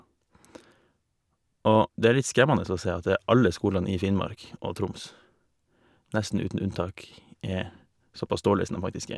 Og det er litt skremmende å se at det alle skolene i Finnmark og Troms nesten uten unntak er såpass dårlig som dem faktisk er.